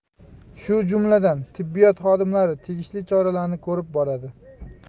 shu jumladan tibbiyot xodimlari tegishli choralarni ko'rib boradi